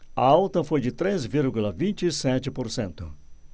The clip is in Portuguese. a alta foi de três vírgula vinte e sete por cento